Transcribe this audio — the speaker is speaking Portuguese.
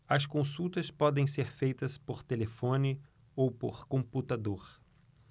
as consultas podem ser feitas por telefone ou por computador